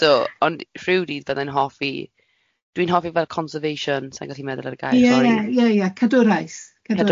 So ond rhyw dydd byddai'n hoffi dwi'n hoffi fel conservation, sa i'n gallu meddwl ar y gair sori. Ie, ie, ie, ie, cadwraeth. Cadwraeth.